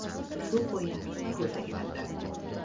shu ko'yi ko'zi ilindi